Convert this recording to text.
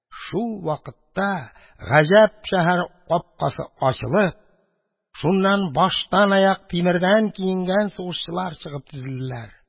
Шул ук вакытта Гаҗәп шәһәре капкасы ачылып, аннан баштанаяк тимердән киенгән сугышчылар чыгып тезелделәр.